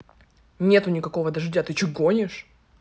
нету никакого дождя ты че гонишь